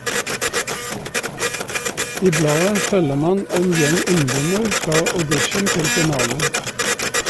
I bladet følger man en gjeng ungdommer fra audition til finale.